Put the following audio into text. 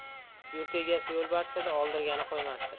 yurt egasi yo'lbarsdir oldirgani qo'ymasdir